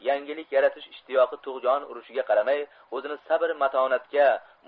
yangilik yaratish ishtiyoqi tug'yon urishiga qaramay o'zini sabr matonatga